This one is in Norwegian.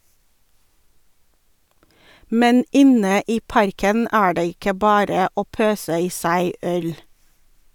Men inne i parken er det ikke bare å pøse i seg øl.